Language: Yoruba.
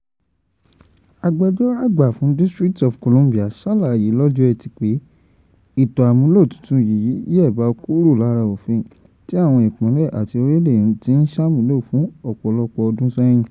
Agbẹjọ́rò àgbà fún District of Columbia ṣàlàyé lọ́jọ Ẹtì pé ètò àmúlò titun yìí yẹ̀ba kúrò lára ofin tí àwọn ìpínlẹ̀ àti orílẹ̀èdè ti ń ṣàmúlò fún ọ̀pọ̀lọpọ̀ ọdún sẹ́yìn."